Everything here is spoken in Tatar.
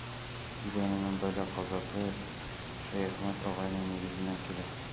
Өйләнүнең бәла-казасы Шәяхмәт агайның нигезеннән килә.